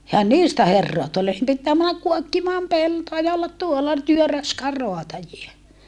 eihän niistä herraa tule ei pitää mennä kuokkimaan peltoa ja olla tuolla työn raskaan raatajia